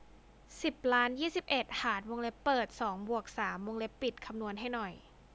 สิบล้านยี่สิบเอ็ดหารวงเล็บเปิดสองบวกสามวงเล็บปิดคำนวณให้หน่อย